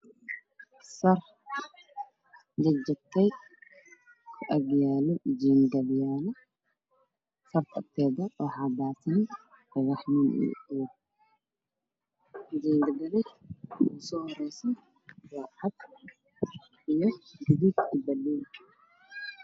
Sar jajabtay oo ag yaalo jiingado sirdoonteeda ayaa la dhagax jiray waxyaabo kale qof qashina wada